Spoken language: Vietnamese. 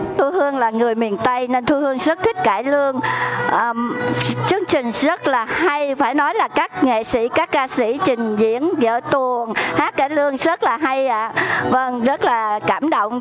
thu hương là người miền tây nên thu hương rất thích cải lương chương trình rất là hay phải nói là các nghệ sĩ các ca sĩ trình diễn vở tuồng hát cải lương rất là hay ạ vâng rất là cảm động